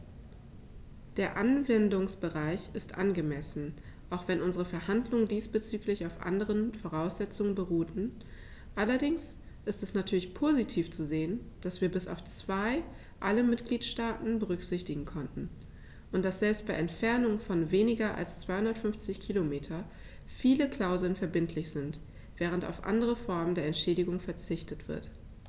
Der Anwendungsbereich ist angemessen, auch wenn unsere Verhandlungen diesbezüglich auf anderen Voraussetzungen beruhten, allerdings ist es natürlich positiv zu sehen, dass wir bis auf zwei alle Mitgliedstaaten berücksichtigen konnten, und dass selbst bei Entfernungen von weniger als 250 km viele Klauseln verbindlich sind, während auf andere Formen der Entschädigung verzichtet wird.